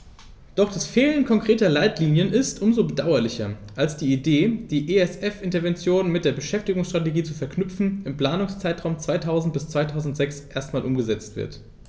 Doch das Fehlen konkreter Leitlinien ist um so bedauerlicher, als die Idee, die ESF-Interventionen mit der Beschäftigungsstrategie zu verknüpfen, im Planungszeitraum 2000-2006 erstmals umgesetzt wird.